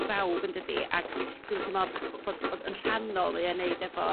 i bawb yn dydi? Ag dwi dwi'n meddwl bod bod yn rhannol mae o i 'neud efo